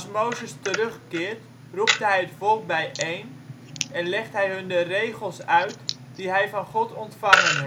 Mozes terug keert roept hij het volk bijeen en legt hij hun de regels uit die hij van God ontvangen